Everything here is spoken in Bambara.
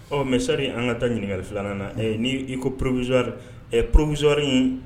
Ɔ mɛsari an ka taa ɲininkakali filanan na ni ii ko porobizori porobizori in